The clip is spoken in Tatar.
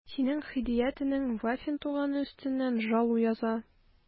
Синең Һидият энең Вафин туганы өстеннән жалу яза...